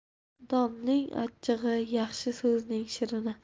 donning achchig'i yaxshi so'zning shirini